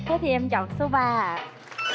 thế thì em chọn số ba ạ